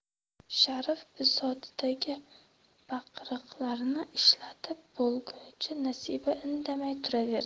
sharif bisotidagi baqiriqlarni ishlatib bo'lgunicha nasiba indamay turaverdi